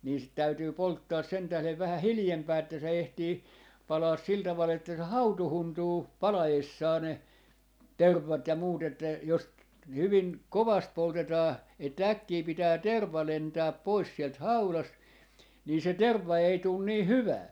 niin sitä täytyy polttaa sen tähden vähän hiljempaa että se ehtii palaa sillä tavalla että se hautuuntuu palaessaan ne tervat ja muut että jos hyvin kovasti poltetaan että äkkiä pitää terva lentää pois sieltä haudasta niin se terva ei tule niin hyvää